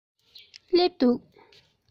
སླེབས འདུག